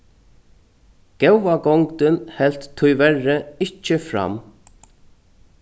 góða gongdin helt tíverri ikki fram